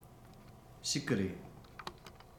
བཤིག གི རེད